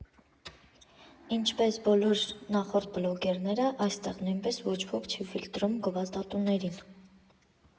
Ինչպես բոլոր նախորդ բլոգերները, այստեղ նույնպես ոչ ոք չի ֆիլտրում գովազդատուներին։